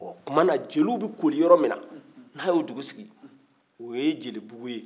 ɔ o tuma na jeliw bɛ koori yɔrɔ min na n'a y'o dugu sigi o ye jelibugu ye